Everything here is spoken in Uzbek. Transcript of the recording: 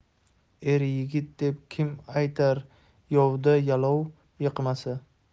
er yigit deb kim aytar yovda yalov yiqmasa